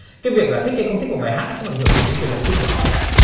cái việc là thích hay không thích một bài hát nó không ảnh hưởng gì đến quyền lợi chung của họ cả